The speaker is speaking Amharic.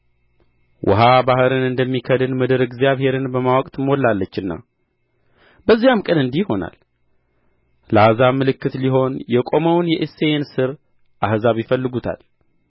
ውኃ ባሕርን እንደሚከድን ምድር እግዚአብሔርን በማወቅ ትሞላለችና በዚያም ቀን እንዲህ ይሆናል ለአሕዛብ ምልክት ሊሆን የቆመውን የእሴይን ሥር አሕዛብ ይፈልጉታል